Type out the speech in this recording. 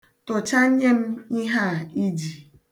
Tụchanye m ihe a i ji.